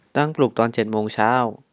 ตั้งปลุกตอนเจ็ดโมงเช้า